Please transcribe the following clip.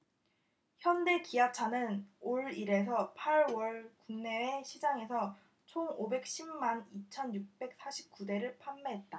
현대 기아차는 올 일 에서 팔 월 국내외 시장에서 총 오백 십 만 이 천 육백 사십 구 대를 판매했다